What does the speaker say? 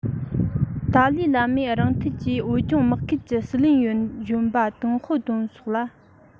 ཏཱ ལའི བླ མས རང འཐད ཀྱིས བོད ལྗོངས དམག ཁུལ གྱི ཟི ལིན ཡོན གཞོན པ ཏིན ཧའོ ཏུང སོགས ལ